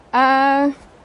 A,